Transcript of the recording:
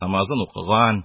Намазын укыган,